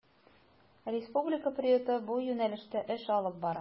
Республика приюты бу юнәлештә эш алып бара.